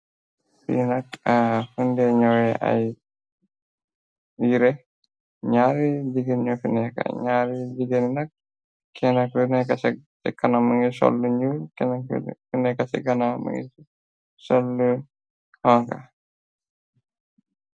Bi nak aa fënde ñoowe ay yire ñaari jigen ño fi neeka ñaari jigen nak kennak ineka ci kana mungi sollu lu ñul kenaku neka ci ganaw mungi soll lu xonxa.